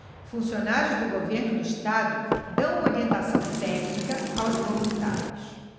funcionários do governo do estado dão orientação técnica aos voluntários